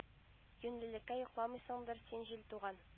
Юньлелеккә йокламыйсыңдыр син җил туган